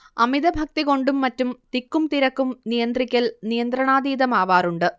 അമിതഭക്തി കൊണ്ടും മറ്റും തിക്കും തിരക്കും നിയന്ത്രിക്കൽ നിയന്ത്രണാതീതമാവാറുണ്ട്